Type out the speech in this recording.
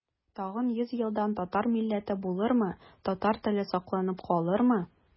Тагын йөз елдан татар милләте булырмы, татар теле сакланып калырмы?